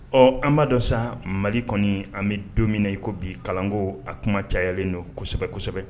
Ɔ anba dɔ sa mali kɔni an bɛ don min na i ko bi kalanko a kuma cayalen don kosɛbɛ kosɛbɛ